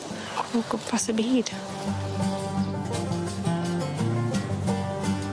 O gwmpas y byd.